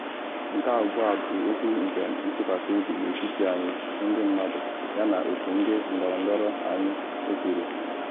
‘Nke a ugbu a bụ okwu nke ntụkwasị obi n’etiti anyị - ndị mmadụ - yana otu ndị ndọrọndọrọ anyị,’ o kwuru.